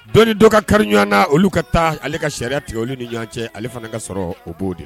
Don dɔw ka kari ɲɔgɔn na olu ka taa ale ka sariya tigɛ olu ni ɲɔgɔn cɛ ale fana ka sɔrɔ o b'o de